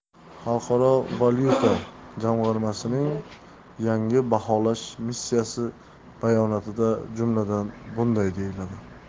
xalqaro valyuta jamg'armasining keyingi baholash missiyasi bayonotida jumladan bunday deyiladi